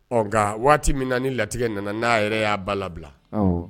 Ɔ waati min ni latigɛ nana n'a yɛrɛ y'a ba labila